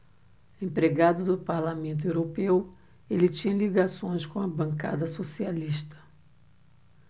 empregado do parlamento europeu ele tinha ligações com a bancada socialista